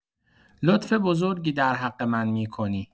لطف بزرگی در حق من می‌کنی.